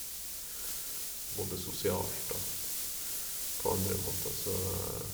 Både sosialt og på andre måter, så...